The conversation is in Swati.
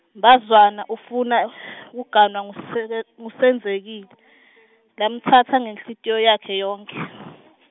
Mbazwana ufuna , kuganwa nguSe- nguSenzekile , lamtsandza ngenhlitiyo yakhe yonkhe .